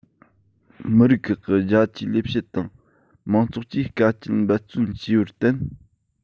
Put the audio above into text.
མི རིགས ཁག གི རྒྱ ཆེའི ལས བྱེད དང མང ཚོགས ཀྱིས དཀའ སྤྱད འབད བརྩོན བྱས པར བརྟེན